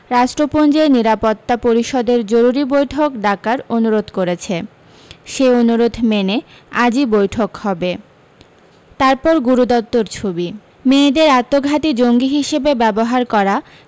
রাষ্ট্রপুঞ্জের নিরাপত্তা পরিষদের জরুরি বৈঠক ডাকার অনুরোধ করেছে সেই অনুরোধ মেনে আজই বৈঠক হবে তার পর গুরু দত্তর ছবি মেয়েদের আত্মঘাতী জঙ্গি হিসেবে ব্যবহার করা